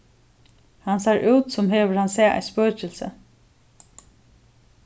hann sær út sum hevur hann sæð eitt spøkilsi